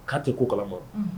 ' tɛ ko kalama